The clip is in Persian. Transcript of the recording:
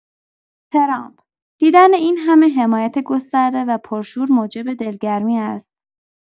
ترامپ: دیدن این همه حمایت گسترده و پرشور موجب دلگرمی است.